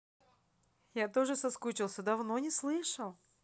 я тоже соскучился давно не слышал